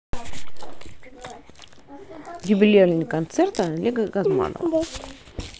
юбилейный концерт олега газманова